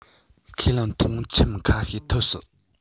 ཁས ལེན མཐོང ཆེན ཁ ཤས ཐོབ སྲིད